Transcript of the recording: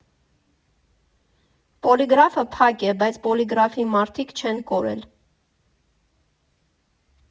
Պոլիգրաֆը փակ է, բայց Պոլիգրաֆի մարդիկ չեն կորել։